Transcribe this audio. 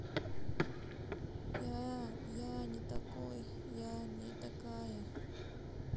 я не такой я не такая